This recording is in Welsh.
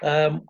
yym